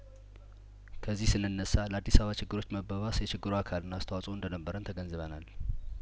ከዚህ ስንነሳ ለአዲስ አባ ችግሮች መባባስ የችግሩ አካልና አስተዋጽኦ እንደነበረን ተገንዝበናል